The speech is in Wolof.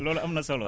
loolu am na solo